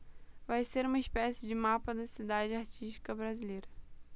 vai ser uma espécie de mapa da cidade artística brasileira